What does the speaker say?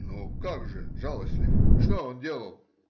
— Ну, как же жалостлив? Что он делал?